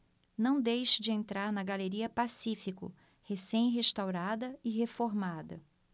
não deixe de entrar na galeria pacífico recém restaurada e reformada